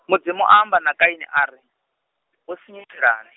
Mudzimu amba na Kaini ari, wo sunyutshelani?